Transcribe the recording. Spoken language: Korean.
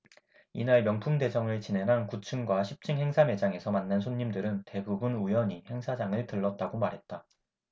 이날 명품대전을 진행한 구 층과 십 층 행사 매장에서 만난 손님들은 대부분 우연히 행사장을 들렀다고 말했다